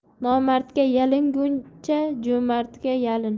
nomardga yalinguncha jo'mardga yalin